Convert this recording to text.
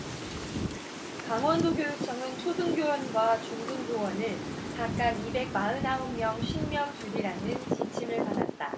강원도교육청은 초등교원과 중등교원을 각각 이백 마흔 아홉 명 쉰 명 줄이라는 지침을 받았다